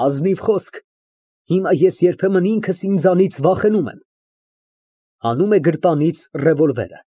Ազնիվ խոսք, հիմա ես երբեմն ինքս ինձանից վախենում եմ։ (Հանում է գրպանից ռևոլվերը)։